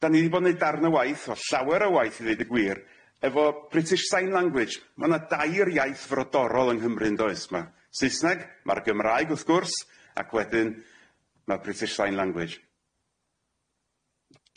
'Dan ni 'di bo'n neu' darn o waith, wel llawer o waith i ddeud y gwir efo British Sign Language ma' 'na dair iaith frodorol yng Nghymru yndoes ma' Saesneg ma'r Gymraeg w'th gwrs ac wedyn ma' British Sign Language.